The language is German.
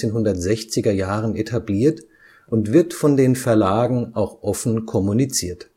1960er Jahren etabliert und wird von den Verlagen auch offen kommuniziert